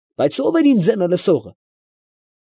Բայց ով էր իմ ձենը լսողը։